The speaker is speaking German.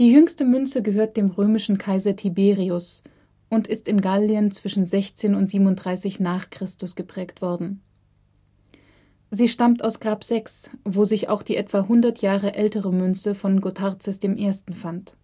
jüngste Münze gehört dem römischen Kaiser Tiberius und ist in Gallien zwischen 16 und 37 n. Chr. geprägt worden. Sie stammt aus Grab 6, wo sich auch die etwa 100 Jahre ältere Münze von Gotarzes I. fand